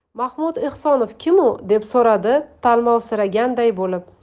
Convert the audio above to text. mahmud ehsonov kim u deb so'radi talmovsiraganday bo'lib